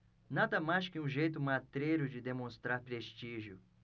nada mais que um jeito matreiro de demonstrar prestígio